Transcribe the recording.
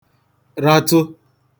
ratụ